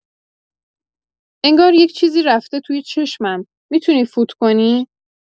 انگار یک چیزی رفته توی چشمم می‌تونی فوت کنی